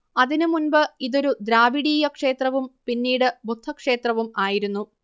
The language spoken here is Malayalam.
അതിനുമുൻപ് ഇതൊരു ദ്രാവിഡീയക്ഷേത്രവും പിന്നീട് ബുദ്ധക്ഷേത്രവും ആയിരുന്നു